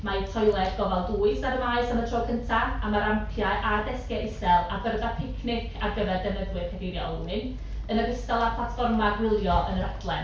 Mae toiled gofal dwys ar y Maes am y tro cynta, a ma' rampiau a desgiau isel a byrddau picnic ar gyfer defnyddwyr cadeiriau olwyn yn ogystal â platfformau gwylio yn yr Adlen.